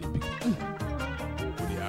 San